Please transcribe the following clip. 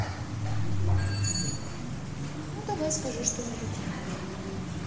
ну давай скажи что нибудь